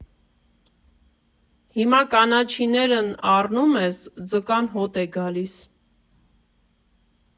Հիմա կանաչիներն առնում ես, ձկան հոտ է գալիս.